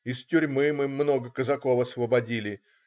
Из тюрьмы мы много казаков освободили.